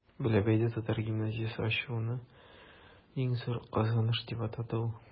Бәләбәйдә татар гимназиясе ачуны иң зур казаныш дип атады ул.